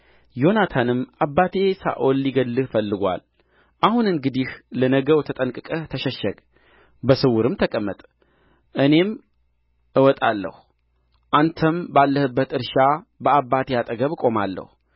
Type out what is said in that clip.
ዮናታንም አባቴ ሳኦል ሊገድልህ ፈልጎአል አሁን እንግዲህ ለነገው ተጠንቅቀህ ተሸሸግ በስውርም ተቀመጥ እኔም እወጣለሁ አንተም ባለህበት እርሻ በአባቴ አጠገብ እቆማለሁ